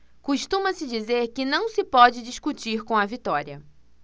costuma-se dizer que não se pode discutir com a vitória